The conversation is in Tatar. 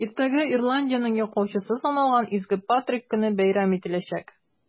Иртәгә Ирландиянең яклаучысы саналган Изге Патрик көне бәйрәм ителәчәк.